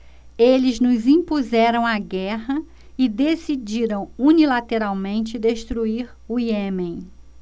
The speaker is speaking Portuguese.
eles nos impuseram a guerra e decidiram unilateralmente destruir o iêmen